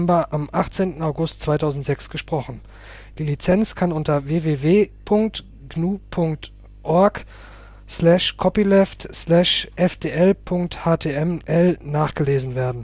einem PBR